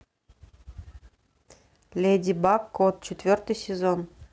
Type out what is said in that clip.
леди баг кот четвертый сезон